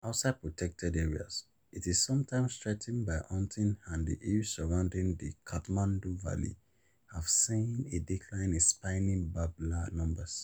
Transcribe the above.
Outside protected areas, it is sometimes threatened by hunting, and the hills surrounding the Kathmandu Valley have seen a decline in Spiny Babbler numbers.